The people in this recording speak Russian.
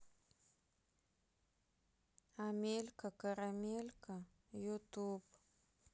амелька карамелька ютуб